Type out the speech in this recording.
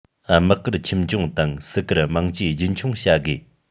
དམག བཀུར ཁྱིམ སྐྱོང དང སྲིད བཀུར དམངས གཅེས རྒྱུན འཁྱོངས བྱ དགོས